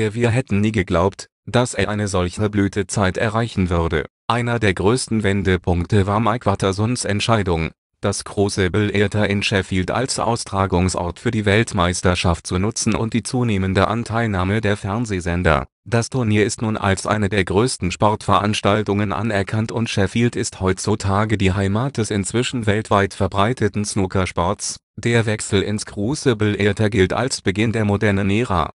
wir hätten nie geglaubt, dass es eine solche Blütezeit erreichen würde. Einer der größten Wendepunkte war Mike Wattersons Entscheidung, das Crucible Theatre in Sheffield als Austragungsort für die Weltmeisterschaft zu nutzen und die zunehmende Anteilnahme der Fernsehsender. […] Das Turnier ist nun als eine der größten Sportveranstaltungen anerkannt und Sheffield ist heutzutage die Heimat des inzwischen weltweit verbreiteten Snookersports. “Der Wechsel ins Crucible Theatre gilt als Beginn der „ modernen Ära